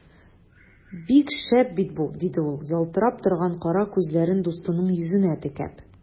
Бик шәп бит бу! - диде ул, ялтырап торган кара күзләрен дустының йөзенә текәп.